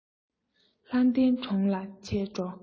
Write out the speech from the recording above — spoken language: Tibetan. ལྷ ལྡན གྲོང ལ ཆས འགྲོ